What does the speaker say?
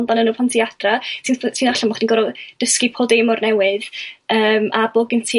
amdanyn n'w pan ti adra ti'n ffeindio allan bo' chdi'n goro dysgu pob dim o'r newydd yym a bo' genti